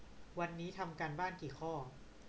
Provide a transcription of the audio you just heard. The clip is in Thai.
วันนี้ทำการบ้านกี่ข้อ